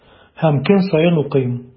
Һәм көн саен укыйм.